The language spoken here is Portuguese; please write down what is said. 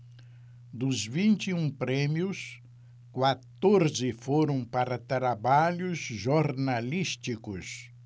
dos vinte e um prêmios quatorze foram para trabalhos jornalísticos